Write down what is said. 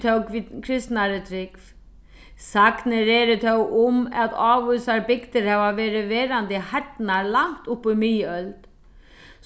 tók við kristnari trúgv sagnir eru tó um at ávísar bygdir hava verið verandi heidnar langt upp í miðøld